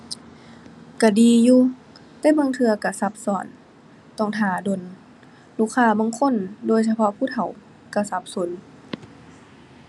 ก็ดีอยู่ แต่บางเทื่อก็ซับซ้อน ต้องท่าโดน ลูกค้าบางคนโดยเฉพาะผู้เฒ่าก็สับสน